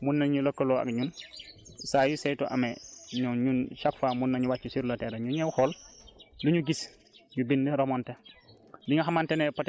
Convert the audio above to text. léegi ñoom en tant que ñun ñoo gën a jege béykat yi nekk ci commune mun nañu lëkkaloo ak ñun saa yu saytu amee ñoo ñun chaque fois mun nañu wàcc sur le terrain ñu ñëw xool